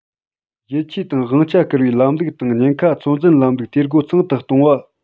ཡིད ཆེས དང དབང ཆ སྐུར བའི ལམ ལུགས དང ཉེན ཁ ཚོད འཛིན ལམ ལུགས འཐུས སྒོ ཚང དུ གཏོང བ